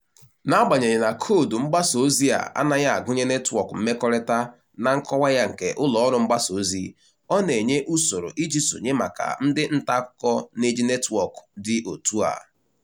N'agbanyeghị na koodu mgbasaozi a anaghị agụnye netwọk mmekọrịta na nkọwa ya nke ụlọọrụ mgbasaozi, ọ na-enye usoro iji sonye maka ndị ntaakụkọ na-eji netwọk dị otú a.